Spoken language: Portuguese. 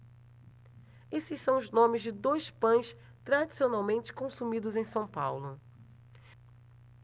esses são os nomes de dois pães tradicionalmente consumidos em são paulo